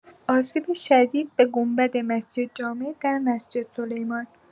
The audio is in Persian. آسیب شدید به گنبد مسجدجامع در مسجدسلیمان